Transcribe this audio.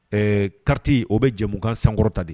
Ɛɛ kariti o bɛ jɛmukan sankɔrɔta de